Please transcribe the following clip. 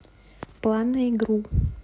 план на игру